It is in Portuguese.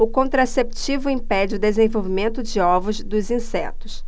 o contraceptivo impede o desenvolvimento de ovos dos insetos